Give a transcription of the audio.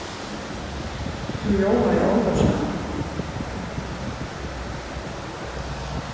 tú ljóðaði álvarsamur